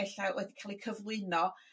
ella wedi ca'l 'u cyflwyno